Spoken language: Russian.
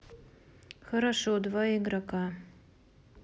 хорошо два игрока